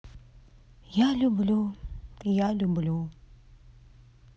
я люблю я люблю